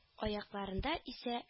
Аякларында исә